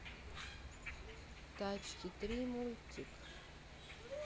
тачки три мультик